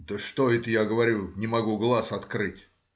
— Да что это,— я говорю,— не могу глаз открыть?